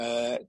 yy